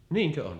niinkö on